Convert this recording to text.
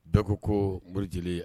Dɔw ko ko murjiliyya i